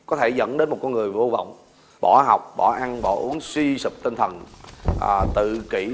có thể dẫn đến một con người vô vọng bỏ học bỏ ăn bỏ uống suy sụp tinh thần ờ tự kỉ